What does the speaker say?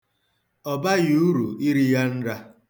Ọ baghị uru iri ya nra.